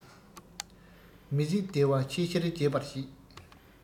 མི ཟད བདེ བ ཆེས ཆེར རྒྱས པར བྱེད